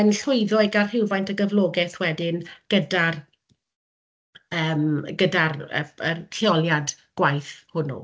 yn llwyddo i gael rhywfaint o gyflogaeth wedyn gyda'r yym gyda'r y y lleoliad gwaith hwnnw.